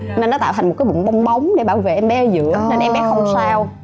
lên nó tạo thành một cái bụng bong bóng để bảo vệ em bé ở giữa nên em bé không sao